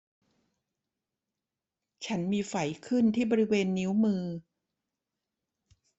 ฉันมีไฝขึ้นที่บริเวณนิ้วมือ